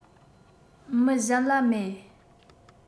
མི གཞན ལ མེད